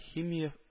Химия